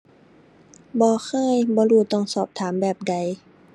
บ่เคย บ่รู้ต้องสอบถามแบบใด